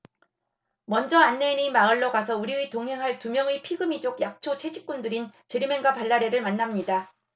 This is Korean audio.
먼저 안내인의 마을로 가서 우리와 동행할 두 명의 피그미족 약초 채집꾼들인 제르멘과 발라레를 만납니다